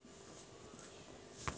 включи бранимир лили марлен